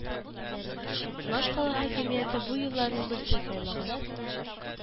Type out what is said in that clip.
Башкала хакимияте бу юлларның берсен сайлаган